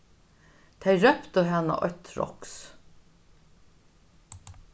tey róptu hana eitt roks